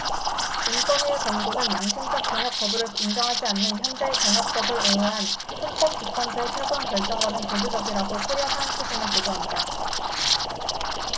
인권위의 권고는 양심적 병역 거부를 인정하지 않는 현재의 병역법을 옹호한 헌법 재판소의 최근 결정과는 대조적이라고 코리아 타임스 지는 보도한다